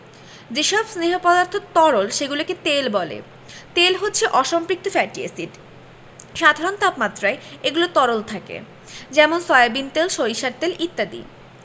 যেসব স্নেহ পদার্থ তরল সেগুলোকে তেল বলে তেল হচ্ছে অসম্পৃক্ত ফ্যাটি এসিড সাধারণ তাপমাত্রায় এগুলো তরল থাকে যেমন সয়াবিন তেল সরিষার তেল ইত্যাদি